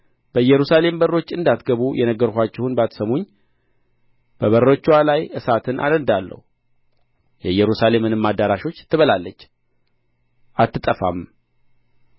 በኢየሩሳሌም በሮች እንዳትገቡ የነገርኋችሁን ባትሰሙኝ በበሮችዋ ላይ እሳትን አነድዳለሁ የኢየሩሳሌምንም አዳራሾች ትበላለች አትጠፋም